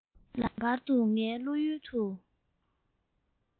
ལམ བར དུ ངའི བློ ཡུལ དུ